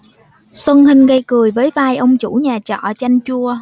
xuân hinh gây cười với vai ông chủ nhà trọ chanh chua